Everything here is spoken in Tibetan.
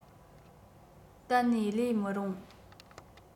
གཏན ནས ལེན མི རུང